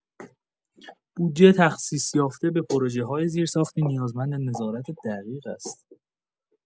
بودجه تخصیص‌یافته به پروژه‌های زیرساختی نیازمند نظارت دقیق است.